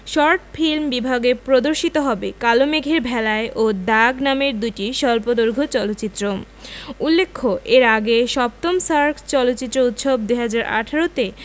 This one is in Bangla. শর্ট ফিল্ম বিভাগে প্রদর্শিত হবে কালো মেঘের ভেলায় ও দাগ নামের দুটি স্বল্পদৈর্ঘ চলচ্চিত্র উল্লেখ্য এর আগে ৭ম সার্ক চলচ্চিত্র উৎসব ২০১৮ তে